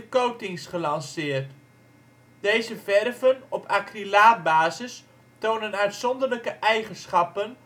coatings gelanceerd. Deze ' verven ' op acrylaatbasis tonen uitzonderlijke eigenschappen